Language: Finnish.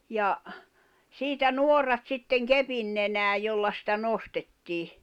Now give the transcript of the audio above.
ja siitä nuorat sitten kepin nenään jolla sitä nostettiin